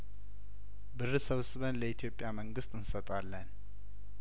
ብር ሰብስበን ለኢትዮጵያ መንግስት እንሰጣለን